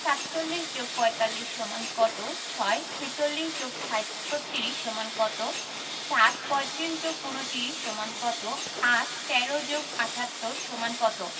৪৭ + ৪৫ = কত ৬ ৪৬ + ৩৬ = কত ৭ ৩৫ + ২৯ = কত ৮ ১৩ + ৭৮ = কত